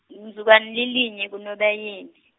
mzukwana lilinye kuNobayeni.